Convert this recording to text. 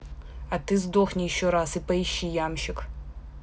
а ты сдохни еще раз и поищи ямщик